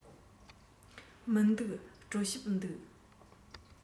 མི འདུག གྲོ ཞིབ འདུག